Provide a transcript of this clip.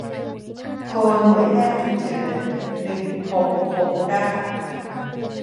โทรหน่วยแพทย์ฉุกเฉินหนึ่งหกหกเก้า